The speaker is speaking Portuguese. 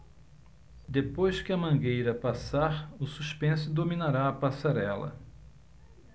depois que a mangueira passar o suspense dominará a passarela